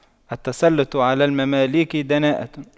التسلُّطُ على المماليك دناءة